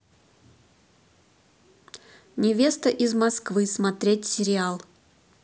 невеста из москвы смотреть сериал